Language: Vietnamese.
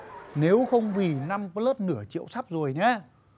nếu không vì năm bờ lớt nửa triệu sắp rồi nhớ